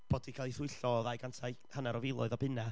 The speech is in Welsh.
bod hi 'di cael ei thwyllo o ddau cant hai- hanner o filoedd o bunnau,